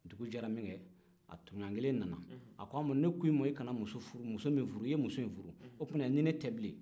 dugujɛra min kɛ a tɔɲɔgɔn kelen nana a k'a ma ne k'i ma i kana muso furu muso min furu i muso in furu o tumana i ni ne tɛ bilen